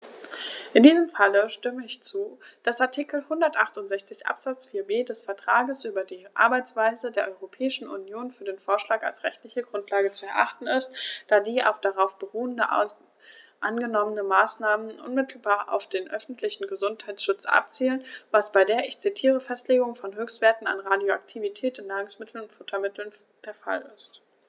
In diesem Fall stimme ich zu, dass Artikel 168 Absatz 4b des Vertrags über die Arbeitsweise der Europäischen Union für den Vorschlag als rechtliche Grundlage zu erachten ist, da die auf darauf beruhenden angenommenen Maßnahmen unmittelbar auf den öffentlichen Gesundheitsschutz abzielen, was bei der - ich zitiere - "Festlegung von Höchstwerten an Radioaktivität in Nahrungsmitteln und Futtermitteln" der Fall ist.